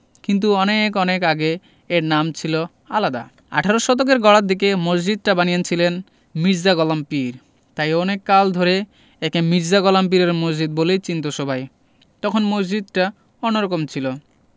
কিন্তু অনেক অনেক আগে এর নাম ছিল আলাদা আঠারো শতকের গড়ার দিকে মসজিদটা বানিয়েনছিলেন মির্জা গলাম পীর তাই অনেক কাল ধরে একে মির্জা গোলাম পীরের মসজিদ বলেই চিনতো সবাই তখন মসজিদটা অন্যরকম ছিল